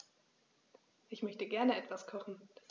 Ich möchte gerne etwas kochen.